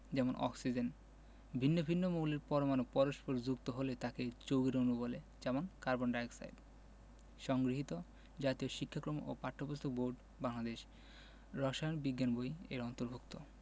যেমন অক্সিজেন ভিন্ন ভিন্ন মৌলের পরমাণু পরস্পর যুক্ত হলে তাকে যৌগের অণু বলে যেমন কার্বন ডাই অক্সাইড সংগৃহীত জাতীয় শিক্ষাক্রম ও পাঠ্যপুস্তক বোর্ড বাংলাদেশ রসায়ন বিজ্ঞান বই এর অন্তর্ভুক্ত